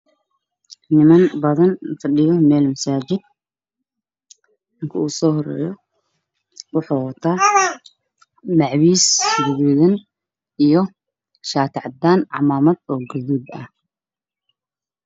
Waa niman meel fadhiyo ninka u saar wuxuu wataa macawis iyo shati ilma ay affadhiya